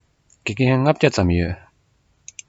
དགེ རྒན ༥༠༠ ཙམ ཡོད རེད